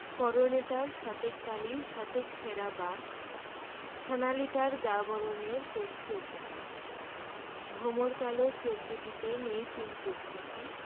পরনে তার শতেক তালির শতেক ছেঁড়া বাস সোনালি তার গা বরণের করছে উপহাস ভমরকালো চোখ দুটিতে নেই কৌতুকহাসি